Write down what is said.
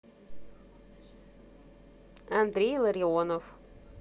андрей илларионов